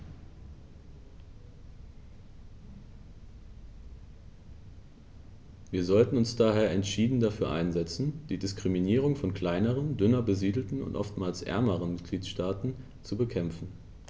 Wir sollten uns daher entschieden dafür einsetzen, die Diskriminierung von kleineren, dünner besiedelten und oftmals ärmeren Mitgliedstaaten zu bekämpfen.